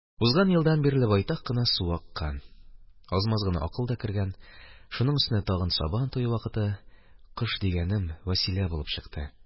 Узган елдан бирле байтак кына су аккан, аз-маз гына акыл да кергән, шуның өстенә тагын Сабан туе вакыты, кош дигәнем Вәсилә булып чыкты,